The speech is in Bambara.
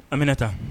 An bɛna taa